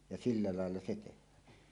ja sillä lailla se tehdään